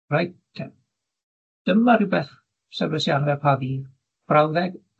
Reit te, dyma rwbeth sylwes i arno fe pa ddydd, brawddeg